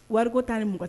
Wari taa ni mɔgɔ tan